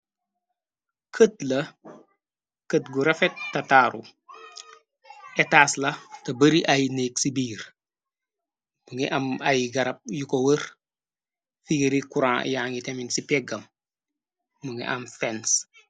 Kët la kët gu rafet tataaru etaas la te bari ay neeg ci biir bu ngi am ay garab yu ko wër figari kuran yaa ngi temin ci peggam mungi am fens.